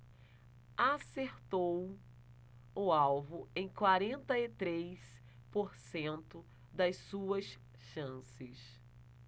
acertou o alvo em quarenta e três por cento das suas chances